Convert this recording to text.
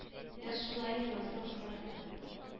Яз шулай инде назлы кызлар кебек